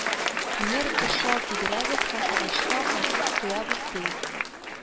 Мер кыршау кидерәбез һәм агачка асып куябыз, ди»